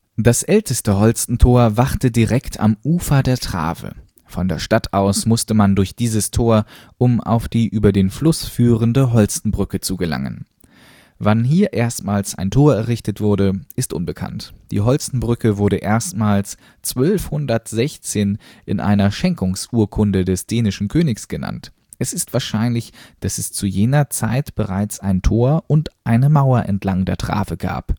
Das älteste Holstentor wachte direkt am Ufer der Trave. Von der Stadt aus musste man durch dieses Tor, um auf die über den Fluss führende Holstenbrücke zu gelangen. Wann hier erstmals ein Tor errichtet wurde, ist unbekannt. Die Holstenbrücke wurde erstmals 1216 in einer Schenkungsurkunde des dänischen Königs genannt. Es ist wahrscheinlich, dass es zu jener Zeit bereits ein Tor und eine Mauer entlang der Trave gab